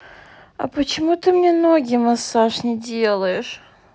а почему ты мне ноги массаж не делаешь